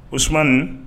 O sumamanin